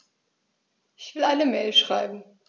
Ich will eine Mail schreiben.